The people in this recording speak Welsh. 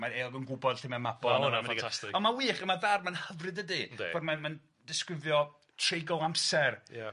Mae'r eog yn gwbod lle mae Mabon. O ma' wnna'n ffantastig. On' ma'n wych, on' ma' da, ma'n hyfryd dydi? Yndi. Ffor' mae'n mae'n disgrifio treigl amser. Ia.